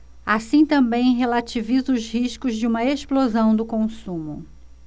assis também relativiza os riscos de uma explosão do consumo